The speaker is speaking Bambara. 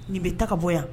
Nin bɛ ta ka bɔ yan